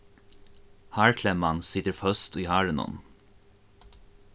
hárklemman situr føst í hárinum